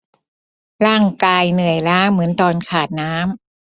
ร่างกายเหนื่อยล้าเหมือนตอนขาดน้ำ